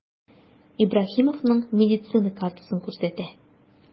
Ибраһимовның медицина картасын күрсәтә.